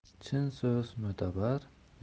chin so'z mo'tabar